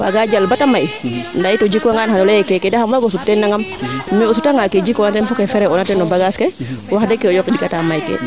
waaga jal bata may ndaa yit o jek wa ngaan xano leye keeke de xam waago sut teen nangam mais o jik wanga teen kee sutoona teen fo kee frais oona teen no bagage ke wax deg kee o yoqind kata may kee